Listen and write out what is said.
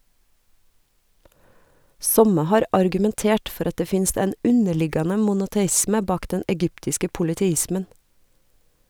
Somme har argumentert for at det finst ein underliggjande monoteisme bak den egyptiske polyteismen.